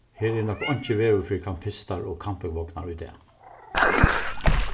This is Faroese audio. her er nokk einki veður fyri kampistar og kampingvognar í dag